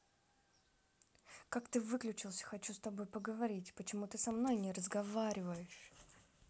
как ты выключился хочу с тобой поговорить почему ты со мной не разговариваешь